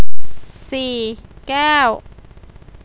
สี่แก้ว